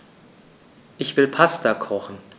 Ich will Pasta kochen.